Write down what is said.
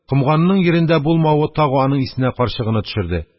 Комганның йирендә булмавы тагы аның исенә карчыгыны төшерде.